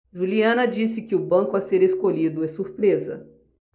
juliana disse que o banco a ser escolhido é surpresa